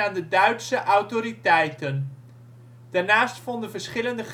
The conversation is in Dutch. de Duitse autoriteiten. Daarnaast vonden verschillende